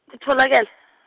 kutfolakel- .